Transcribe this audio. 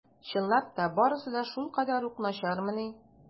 Чынлап та барысы да шулкадәр үк начармыни?